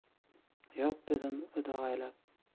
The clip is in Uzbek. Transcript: yot dedim o'dag'aylab